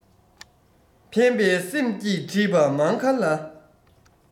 ཕན པའི སེམས ཀྱིས བྲིས པ མངྒ ལ